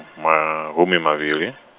mahumi mavhili.